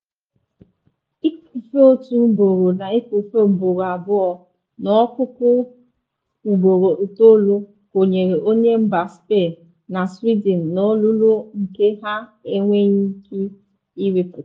Ịkụfe otu ugboro na ịkụfe ugboro abụọ n’ọkụkụ ugboro itoolu kụnyere onye mba Spain na Sweden n’olulu nke ha enweghị ike ịrịpụta.